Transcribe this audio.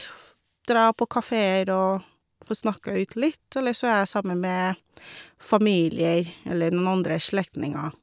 Dra på kafeer og få snakka ut litt, ellers så er jeg sammen med familier eller noen andre slektninger.